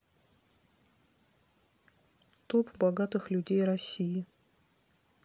топ богатых людей россии